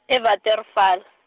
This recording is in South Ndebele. e- Waterval.